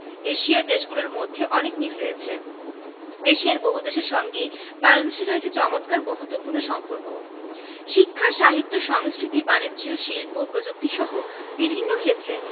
এশিয়ার দেশগুলোর মধ্যে অনেক মিল রয়েছে এশিয়ার বহুদেশের সঙ্গেই বাংলাদেশের রয়েছে চমৎকার বন্ধুত্বপূর্ণ সম্পর্ক শিক্ষা সাহিত্য সংস্কৃতি বানিজ্য শিল্প প্রযুক্তিসহ বিভিন্ন ক্ষেত্রে